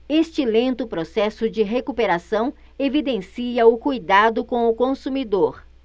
este lento processo de recuperação evidencia o cuidado com o consumidor